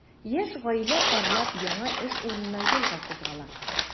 Яшь гаилә парлап яңа эш урынына юлга кузгала.